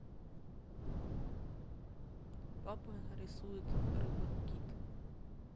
папа рисует рыба кит